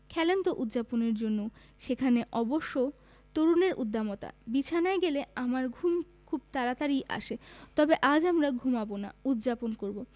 খেলেন তো উদ্যাপনের জন্যও সেখানে অবশ্য তরুণের উদ্দামতা বিছানায় গেলে আমার ঘুম খুব তাড়াতাড়িই আসে তবে আজ আমরা ঘুমাব না উদ্যাপন করব